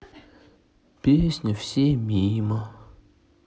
песня все мимо